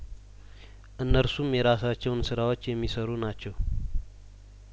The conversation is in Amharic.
እነርሱም የራሳቸውን ስራዎች የሚሰሩ ናቸው